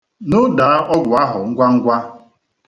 Lodaa ọgwụ ahụ ngwa ngwa.